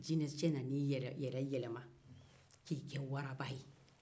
jinɛkɛ nana i yɛrɛ yɛlɛma ka kɛ waraba ye